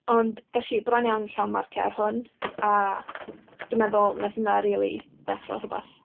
Ond, ges i bron iawn o llawn marciau ar hwn, a dwi'n meddwl wnaeth hynna rili deffro rhywbeth.